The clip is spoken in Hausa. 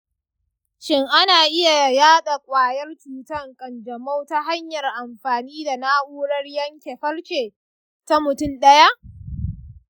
shin ana iya yaɗa ƙwayar cutar kanjamau ta hanyar amfani da na'urar yanke farce ta mutum ɗaya?